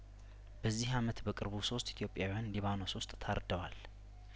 በዚህ አመት በቅርቡ ሶስት ኢትዮጵያውያን ሊባኖስ ውስጥ ታርደዋል